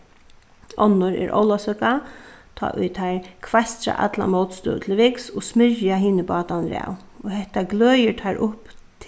onnur er ólavsøka tá ið teir kveistra alla mótstøðu til viks og smyrja hinir bátarnir av og hetta gløðir teir upp